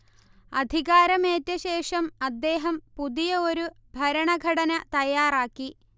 അധികാരമേറ്റശേഷം അദ്ദേഹം പുതിയ ഒരു ഭരണഘടന തയ്യാറാക്കി